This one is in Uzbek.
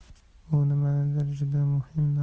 u nimanidir juda muhim